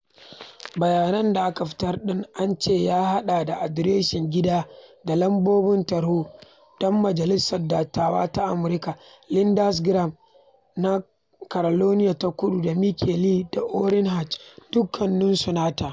Bayanin da aka fitar ɗin an ce ya haɗa da adiresoshin gida da lambobin tarho don Majalisar Dattawa ta Amurka. Lindsey Graham na Carolina ta Kudu, da Mike Lee da Orrin Hatch, dukkansu na Utah.